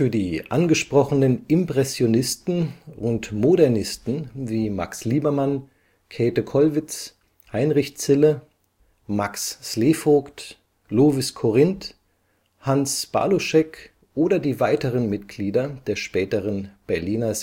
die angesprochenen Impressionisten und Modernisten wie Max Liebermann, Käthe Kollwitz, Heinrich Zille, Max Slevogt, Lovis Corinth, Hans Baluschek oder die weiteren Mitglieder der späteren Berliner